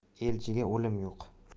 elchiga o'lim yo'q